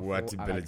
Waati ka